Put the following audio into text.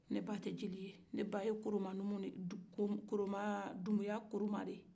ne ba te jeli ye ne ba ye koromanumu de du koromaa dumbuya koromaa de ye